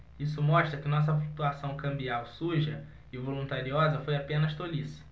isso mostra que nossa flutuação cambial suja e voluntariosa foi apenas tolice